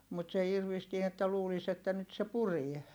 mutta se irvistää että luulisi että nyt se puree